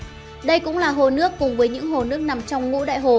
đây cũng là hồ nước cùng với những hồ nước nằm trong ngũ đại hồ